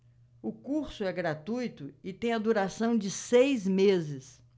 o curso é gratuito e tem a duração de seis meses